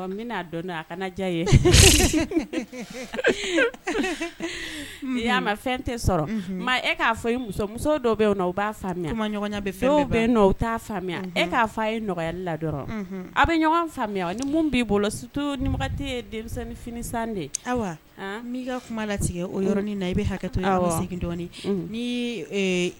E k'a b'a ma ɲɔgɔn t'a e k'a fɔ a ye nɔgɔyali la dɔrɔn aw bɛ ɲɔgɔn faamuya ni b'i bolo suto ni yef de n'i ka kuma latigɛ oɔrɔn na i bɛ hakɛ